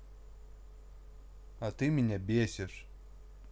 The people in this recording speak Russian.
а ты меня бесишь